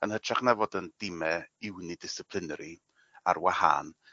yn hytrach na fod yn dime unidisciplinary ar wahân